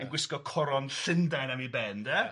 Yn gwisgo coron Llundain am ei ben de ia.